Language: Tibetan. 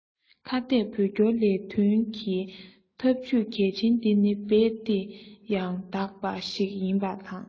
ཁ གཏད བོད སྐྱོར ལས དོན གྱི ཐབས ཇུས གལ ཆེན དེ ནི རྦད དེ ཡང དག པ ཞིག ཡིན པ དང